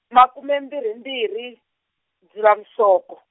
makume mbirhi mbirhi, Dzivamusoko.